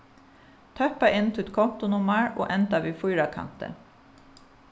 tøppa inn títt kontunummar og enda við fýrakanti